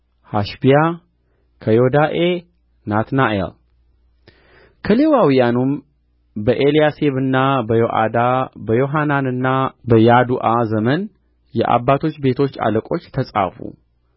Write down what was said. ሐሸብያ ከዮዳኤ ናትናኤል ከሌዋውያኑም በኤልያሴብና በዮአዳ በዮሐናንና በያዱአ ዘመን የአባቶች ቤቶች አለቆች ተጻፉ